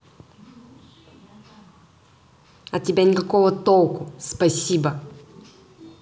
от тебя никакого толку спасибо